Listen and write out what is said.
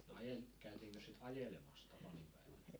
no - käytiinkös sitä ajelemassa tapaninpäivänä